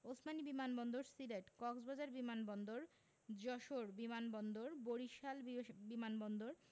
ওসমানী বিমান বন্দর সিলেট কক্সবাজার বিমান বন্দর যশোর বিমান বন্দর বরিশাল বিস বিমান বন্দর